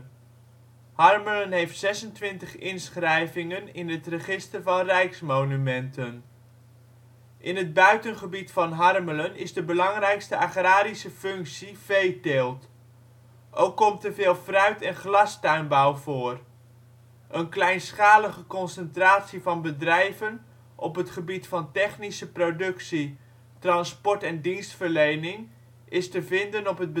Harmelen heeft 26 inschrijvingen in het register van rijksmonumenten. De Sint-Bavokerk uit 1916 van Jan Stuyt Hervormde kerk In het buitengebied van Harmelen is de belangrijkste agrarische functie veeteelt. Ook komt er veel fruit - en glastuinbouw voor. Een kleinschalige concentratie van bedrijven op het gebied van technische productie, transport en dienstverlening is te vinden op het